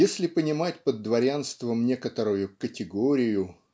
Если понимать под дворянством некоторую категорию